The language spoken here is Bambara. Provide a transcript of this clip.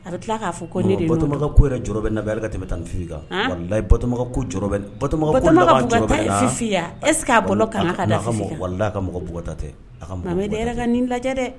A bɛ tila k'a fɔ ko ne de nɔ don Batoma ka ko yɛrɛ jɔrɔ bɛ ne na bi hali ka tɛmɛ Tani Fifi kan ann walahi Batoma ka ko jɔrɔ bɛ n Batoma ka ko laban jɔrɔ bɛ ne na Batoma ka bugɔta ye Fifi ye a est ce que a bolo kaŋa ka da Fifi kan non a ka mɔgɔ walahi a ka mɔgɔ bugɔta tɛ a ka mɔgɔ Momedi e yɛrɛ ka nin lajɛ dɛ